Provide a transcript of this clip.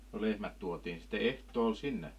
no lehmät tuotiin sitten ehtoolla sinne